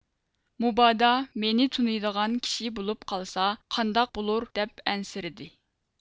مۇبادا مېنى تونۇيدىغان كىشى بولۇپ قالسا قانداق بولۇر دەپ ئەنسىرىدى